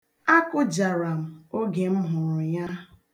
Akụjara m oge m hụrụ ya.